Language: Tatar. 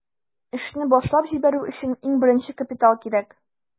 Эшне башлап җибәрү өчен иң беренче капитал кирәк.